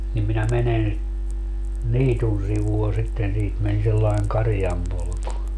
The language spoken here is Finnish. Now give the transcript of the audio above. niin minä menen niityn sivua sitten siitä meni sellainen karjanpolku